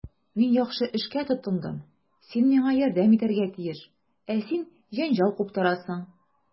Мин яхшы эшкә тотындым, син миңа ярдәм итәргә тиеш, ә син җәнҗал куптарасың.